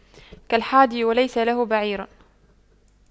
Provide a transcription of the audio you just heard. كالحادي وليس له بعير